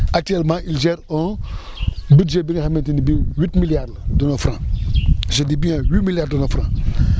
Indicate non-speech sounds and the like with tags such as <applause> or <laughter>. actuellement il gère un <breath> budget bi nga xamante ni bii huit milliard la <noise> de nos fran je dis bien huit milliards de nos franc <noise>